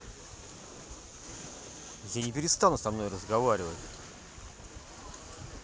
я не перестану со мной разговаривать